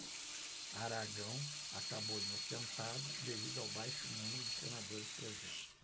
aragão acabou inocentado devido ao baixo número de senadores presentes